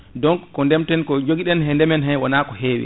donc ko ndeemten ko ko jooguiɗen e ndeemen he wona ko heewi